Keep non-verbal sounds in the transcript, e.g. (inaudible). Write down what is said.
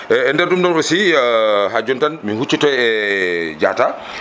eyyi e nder ɗum ɗon aussi (hesitation) ha joni tan mi huccita e Diatta